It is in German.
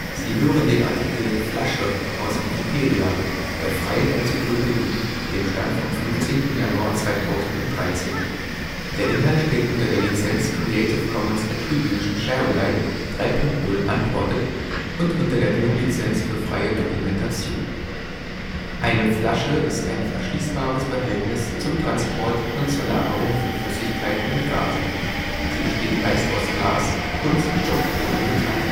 Sie hören den Artikel Flasche, aus Wikipedia, der freien Enzyklopädie. Mit dem Stand vom Der Inhalt steht unter der Lizenz Creative Commons Attribution Share Alike 3 Punkt 0 Unported und unter der GNU Lizenz für freie Dokumentation. Der Titel dieses Artikels ist mehrdeutig. Weitere Bedeutungen sind unter Flasche (Begriffsklärung) aufgeführt. Verschiedene Weinflaschen Normflasche aus Glas des Verbands Deutscher Mineralbrunnen Wasserflasche aus PET. Trinken aus einer Flasche Eine Flasche ist ein verschließbares Behältnis zum Transport und zur Lagerung von Flüssigkeiten und Gasen. Sie besteht meist aus Glas, Kunststoff oder Metall